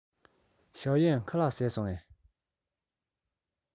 ཞའོ གཡན ཁ ལག བཟས སོང ངས